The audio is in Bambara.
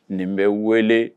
Nin bɛ wele